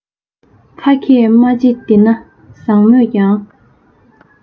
ཁ མཁས སྨྲ ལྕེ བདེ ན བཟང མོད ཀྱང